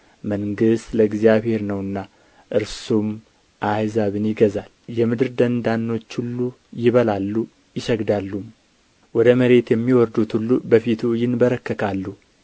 መንግሥት ለእግዚአብሔር ነውና እርሱም አሕዛብን ይገዛል የምድር ደንዳኖች ሁሉ ይበላሉ ይሰግዳሉም ወደ መሬት የሚወርዱት ሁሉ በፊቱ ይንበረከካሉ